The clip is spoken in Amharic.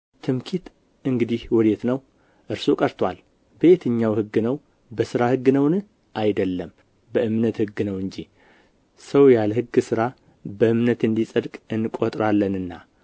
ትምክህት እንግዲህ ወዴት ነው እርሱ ቀርቶአል በየትኛው ሕግ ነው በሥራ ሕግ ነውን አይደለም በእምነት ሕግ ነው እንጂ ሰው ያለ ሕግ ሥራ በእምነት እንዲጸድቅ እንቆጥራለንና